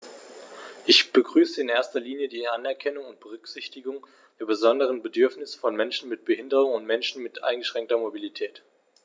Ich begrüße in erster Linie die Anerkennung und Berücksichtigung der besonderen Bedürfnisse von Menschen mit Behinderung und Menschen mit eingeschränkter Mobilität.